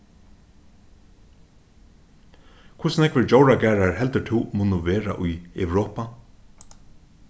hvussu nógvir djóragarðar heldur tú munnu vera í europa